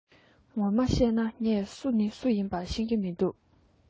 ངོ མ གཤས ན ངས སུ ནི སུ ཡིན པ ཤེས གི མི འདུག